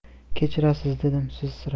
kechirasiz dedim sizsirab